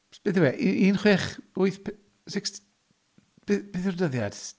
Beth yw e? Unchwech wyth six... B- beth yw'r dyddiad?